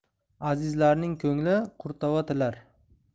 azizlarning ko'ngli qurtova tilar